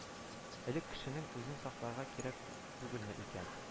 Элек кешенең үзен сакларга кирәк түгелме икән